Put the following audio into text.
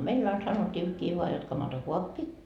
meillä aina sanottiinkin vain jotta kamantokaappi